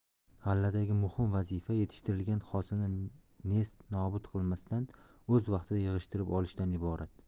galdagi muhim vazifa yetishtirilgan hosilni nest nobud qilmasdan o'z vaqtida yig'ishtirib olishdan iborat